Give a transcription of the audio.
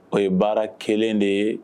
O ye baara kɛlen de ye